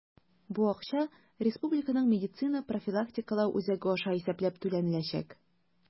Бу акча Республиканың медицина профилактикалау үзәге аша исәпләп түләнеләчәк.